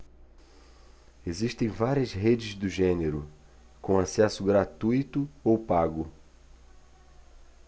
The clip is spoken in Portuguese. existem várias redes do gênero com acesso gratuito ou pago